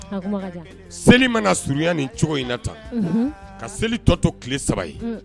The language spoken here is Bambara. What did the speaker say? Seli mana surunya ni cogo in na tan ka seli tɔ to tile saba ye